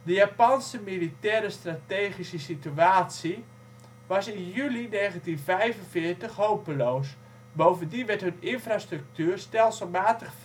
Japanse militaire strategische situatie was in juli 1945 hopeloos, bovendien werd hun infrastructuur stelselmatig